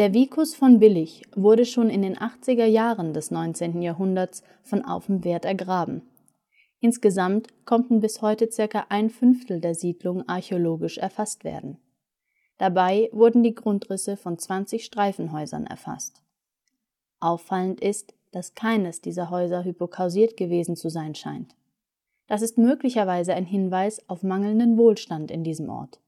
vicus von Billig wurde schon in den 80er Jahren des 19. Jahrhunderts von auf´m Weerth ergraben. Insgesamt konnten bis heute ca. 1/5 der Siedlung archäologisch erfasst werden. Dabei wurden die Grundrisse von 20 Streifenhäusern erfasst. Auffallend ist, dass keines dieser Häuser hypokaustiert gewesen zu sein scheint. Das ist möglicherweise ein Hinweis auf mangelnden Wohlstand in diesem Ort